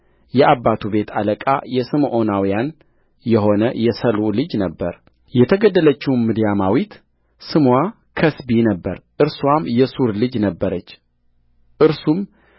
የአባቱ ቤት አለቃ የስምዖናውያን የሆነ የሰሉ ልጅ ነበረየተገደለችውም ምድያማዊት ስምዋ ከስቢ ነበረ እርስዋም የሱር ልጅ ነበረች እርሱም